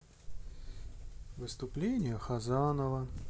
выступление хазанова